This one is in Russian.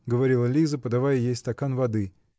-- говорила Лиза, подавая ей стакан воды.